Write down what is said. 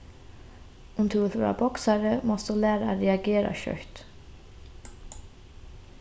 um tú vilt vera boksari mást tú læra at reagera skjótt